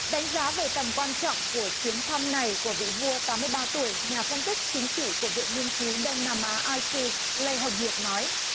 đánh giá về tầm quan trọng của chuyến thăm này của vị vua tám mươi ba tuổi nhà phân tích chính trị của viện nghiên cứu đông nam á ai xi lê hồng hiệp nói